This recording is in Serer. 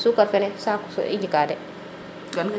sukar fene saaku i njika de